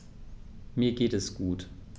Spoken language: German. Mir geht es gut.